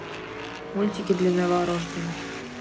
мультики для новорожденных